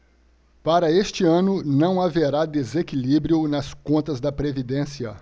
para este ano não haverá desequilíbrio nas contas da previdência